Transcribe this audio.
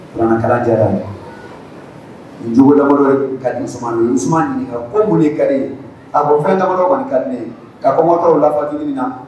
Nanakala jarajugu la ye ka di ko mun ye ka a ko fɛn dadɔ kɔni kadi a ko makankaw lafat min na